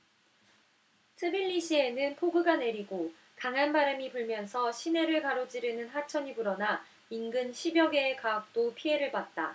트빌리시에는 폭우가 내리고 강한 바람이 불면서 시내를 가로지르는 하천이 불어나 인근 십 여 개 가옥도 피해를 봤다